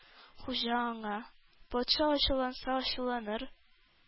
Хуҗа аңа: Патша ачуланса ачуланыр,